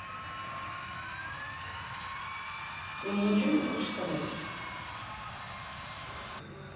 ты мне ничего не хочешь сказать